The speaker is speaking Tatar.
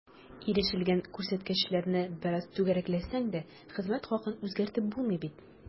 Ирешелгән күрсәткечләрне бераз “түгәрәкләсәң” дә, хезмәт хакын үзгәртеп булмый бит.